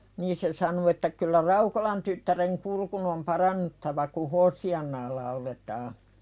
niin se sanoi että kyllä Raukolan tyttären kurkun on parannuttava kun Hoosiannaa lauletaan